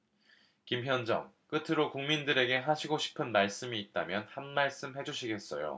김현정 끝으로 국민들에게 하시고 싶은 말씀 있다면 한 말씀 해주시겠어요